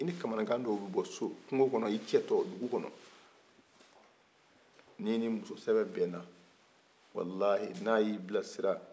i ni kamanagan dɔw bi bɔ so kungo kɔnɔ i cɛ tɔ dugu kɔnɔ ni n'i muso sɛbɛn walahi n'a yi bila sira